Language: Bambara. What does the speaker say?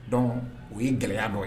Donc u ye gɛlɛyaya dɔ ye